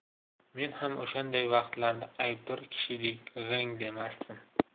men ham o'shanday vaqtlarda aybdor kishidek g'ing demasdim